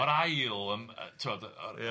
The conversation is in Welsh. ...o'r ail yym yy tibod o'r... Ia.